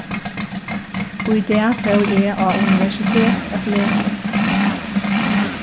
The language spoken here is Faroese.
í dag fór eg á universitet at lesa